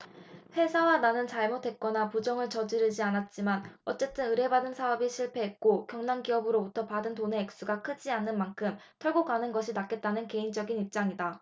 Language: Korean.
회사와 나는 잘못했거나 부정을 저지르지 않았지만 어쨌든 의뢰받은 사업이 실패했고 경남기업으로부터 받은 돈의 액수가 크지 않은 만큼 털고 가는 것이 낫다는 게 개인적인 입장이다